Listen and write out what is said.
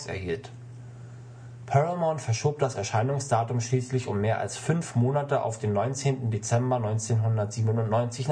Paramount verschob das Erscheinungsdatum schließlich um mehr als fünf Monate auf den 19. Dezember 1997